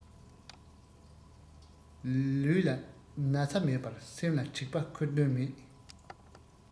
ལུས ལ ན ཚ མེད པར སེམས ལ དྲེག པ ཁུར དོན མེད